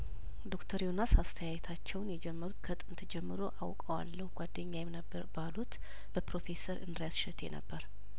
ዶክተር ዮናስ አስተያየታቸውን የጀመሩት ከጥንት ጀምሮ አውቀ ዋለሁ ጓደኛዬም ነበር ባሉት በፕሮፌሰር እንድርያስ እሸቴ ነበር